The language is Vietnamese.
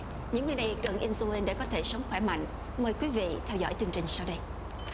những người này cần in su lin để có thể sống khỏe mạnh mời quý vị theo dõi chương trình sau đây